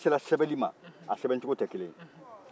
mɛ n'a sera sɛbɛnnin ma a sɛbɛ cogo tɛ kelen ye